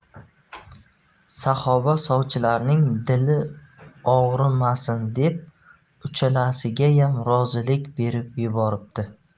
saxoba sovchilarning dili og'rimasin deb uchalasigayam rozilik berib yuboribdi